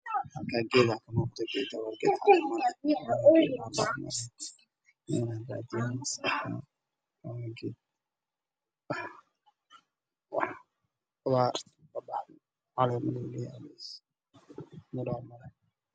Meeshan waxaa ku sawiran geed geedka galkiisu waa guduud caleemihiisuna waa cagaar